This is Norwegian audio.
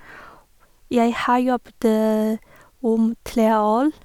Jeg har jobbet om tre år.